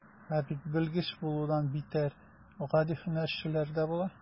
Ә бит белгеч булудан битәр, гади һөнәрчеләр дә була.